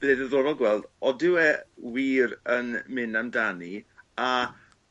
bydd e ddiddorol gweld odyw e wir yn myn' amdani a